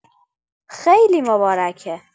خیلی مبارکه